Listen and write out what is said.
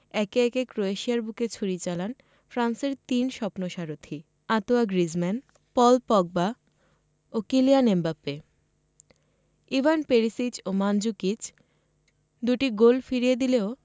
একে একে ক্রোয়েশিয়ার বুকে ছুরি চালান ফ্রান্সের তিন স্বপ্নসারথি আঁতোয়া গ্রিজমান পল পগবা ও কিলিয়ান এমবাপ্পে ইভান পেরিসিচ ও মানজুকিচ দুটি গোল ফিরিয়ে দিলেও